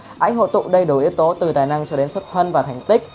anh hội tụ đầy đủ yếu tố từ tài năng cho đến xuất thân và thành tích